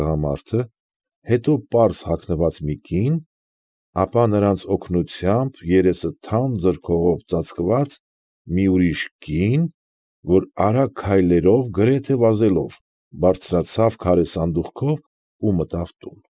Տղամարդը, հետո պարզ հագնված մի կին, ապա նրանց օգնությամբ երեսը թանձր քողով ծածկված մի ուրիշ կին, որ արագ քայլերով, գրեթե վազելով բարձրացավ քարե սանդղքով և մտավ տուն։